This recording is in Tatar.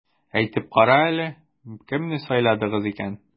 Әйтеп кара әле, кемне сайладыгыз икән?